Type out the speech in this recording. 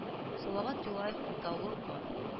Салават юлаев металлург мы